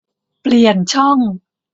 เปลี่ยนช่อง